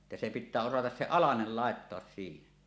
että se pitää osata se alanen laittaa siihen